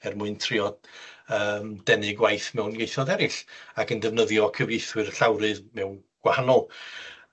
er mwyn trio yym denu gwaith mewn ieithoedd eryll ac yn defnyddio cyfieithwyr llawrydd mewn gwahanol